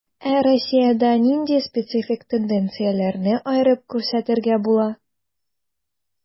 Ә Россиядә нинди специфик тенденцияләрне аерып күрсәтергә була?